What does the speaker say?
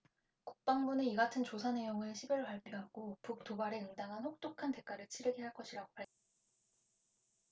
국방부는 이 같은 조사내용을 십 일 발표하고 북 도발에 응당한 혹독한 대가를 치르게 할 것이라고 밝혔다